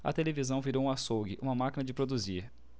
a televisão virou um açougue uma máquina de produzir